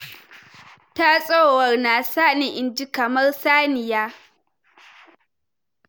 Tatsowar na sani inji kamar saniya.